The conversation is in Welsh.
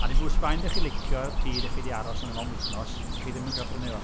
A dim bwys faint dach chi'n licio'r tŷ dach chi 'di aros ynddo fo am wythnos, dach chi ddim yn cael prynu fo.